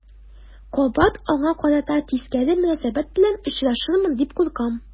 Кабат аңа карата тискәре мөнәсәбәт белән очрашырмын дип куркам.